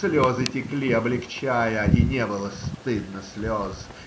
слезы текли, облегчая, и не было стыдно слез